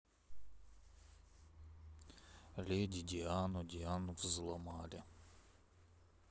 леди диана диану взломали